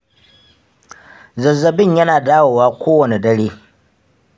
zazzabin yana dawowa kowane dare.